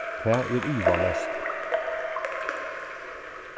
tað er ivaleyst